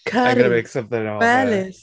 Cyri... I'm gonna make something of it.... Melys.